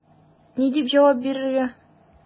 Ни дип җавап бирергә?